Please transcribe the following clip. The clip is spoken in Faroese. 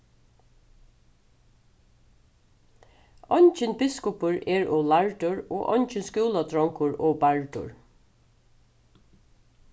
eingin biskupur er ov lærdur og eingin skúladrongur ov bardur